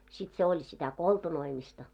sitten se oli sitä koltunoimista